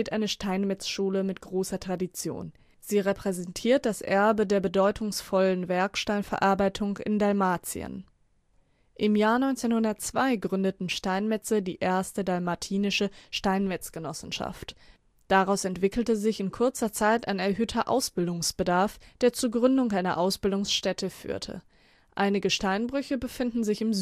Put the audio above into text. eine Steinmetzschule mit großer Tradition. Sie repräsentiert das Erbe der bedeutungsvollen Werksteinverarbeitung in Dalmatien. Im Jahre 1902 gründeten Steinmetze die „ Erste dalmatinische Steinmetz-Genossenschaft “. Dadurch entwickelte sich in kurzer Zeit ein erhöhter Ausbildungsbedarf, der zur Gründung einer Ausbildungsstätte führte. Einige Steinbrüche befinden sich im